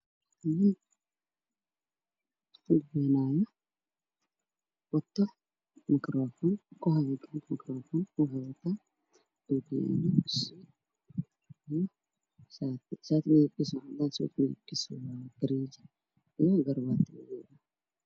Waa nin qudbaynayo waxuu wataa makaroofan, waxuu xiran yahay shaati cadaan ah iyo surwaal garee ah iyo garabaati madow.